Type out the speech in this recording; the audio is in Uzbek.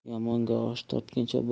yomonga osh tortguncha